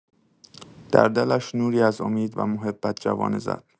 در دلش نوری از امید و محبت جوانه زد.